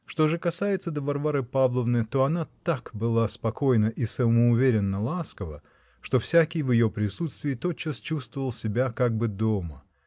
что же касается до Варвары Павловны, то она так была спокойна и самоуверенно-ласкова, что всякий в ее присутствии тотчас чувствовал себя как бы дома